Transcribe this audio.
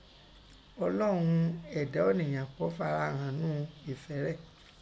Olọ́un ún ẹ̀dá ọ̀niyan ko farahan ńnú èfẹ́ Rẹ̀